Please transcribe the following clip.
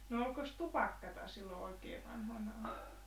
no olikos tupakkaa silloin oikein vanhoina aikoina